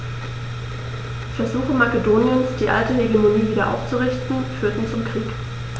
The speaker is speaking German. Versuche Makedoniens, die alte Hegemonie wieder aufzurichten, führten zum Krieg.